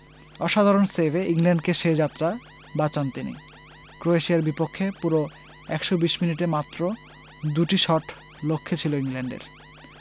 অসাধারণ সেভে ইংল্যান্ডকে সে যাত্রা বাঁচান তিনি ক্রোয়েশিয়ার বিপক্ষে পুরো ১২০ মিনিটে মাত্র দুটি শট লক্ষ্যে ছিল ইংল্যান্ডের